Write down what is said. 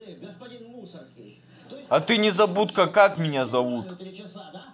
а ты незабудка как меня зовут